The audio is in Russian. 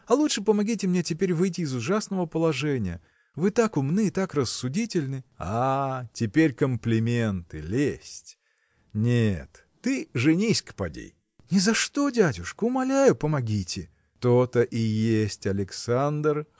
а лучше помогите мне теперь выйти из ужасного положения. Вы так умны, так рассудительны. – А! теперь комплименты, лесть! Нет, ты женись-ка поди. – Ни за что, дядюшка! Умоляю, помогите!. – То-то и есть, Александр